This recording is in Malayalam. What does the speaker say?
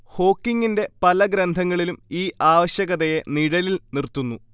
ഹോക്കിങ്ങിന്റെ പല ഗ്രന്ഥങ്ങളിലും ഈ ആവശ്യകതയെ നിഴലിൽ നിർത്തുന്നു